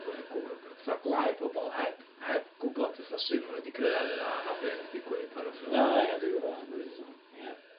y gw- fatha gwlau pobl heb heb gwbod fatha su' ma' nw 'di cyrradd yna a be' wnath digwydd pan wnath nw... O ia dwi'n gwybod am bwy ti'n sôn ia.